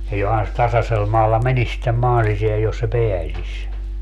ja johan se tasaisella maalla menisi sitten maan sisään jos se pääsisi